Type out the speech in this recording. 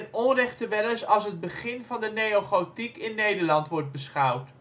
onrechte wel eens als het begin van de neogotiek in Nederland wordt beschouwd